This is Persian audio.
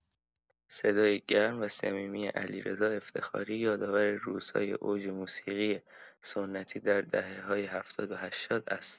صدای گرم و صمیمی علیرضا افتخاری یادآور روزهای اوج موسیقی سنتی در دهه‌های هفتاد و هشتاد است.